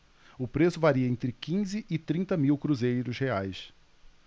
o preço varia entre quinze e trinta mil cruzeiros reais